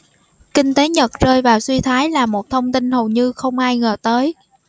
kinh tế nhật rơi vào suy thoái là một thông tin hầu như không ai ngờ tới